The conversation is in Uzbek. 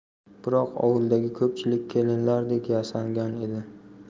biroq ovuldagi ko'pchilik kelinlardek yasangan edi